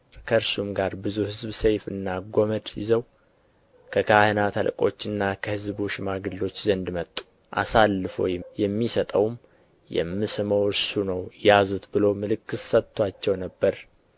ከእርሱም ጋር ብዙ ሕዝብ ሰይፍና ጐመድ ይዘው ከካህናት አለቆችና ከሕዝቡ ሽማግሎች ዘንድ መጡ አሳልፎ የሚሰጠውም የምስመው እርሱ ነው ያዙት ብሎ ምልክት ሰጥቶአቸው ነበር